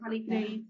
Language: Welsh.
...ca'l 'i gneud